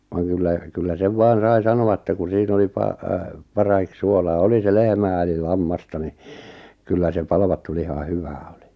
vaan kyllä kyllä sen vain sai sanoa että kun siinä oli - parahiksi suolaa oli se lehmää eli lammasta niin kyllä se palvattu liha hyvää oli